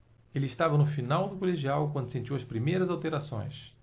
ele estava no final do colegial quando sentiu as primeiras alterações